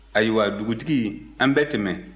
ayiwa dugutigi an bɛ tɛmɛ